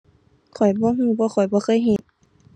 ข้อยบ่รู้ เพราะข้อยบ่เคยเฮ็ด